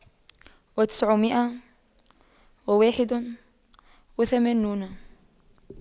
وتسعمئة وواحد وثمانون